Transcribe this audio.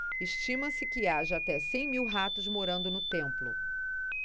estima-se que haja até cem mil ratos morando no templo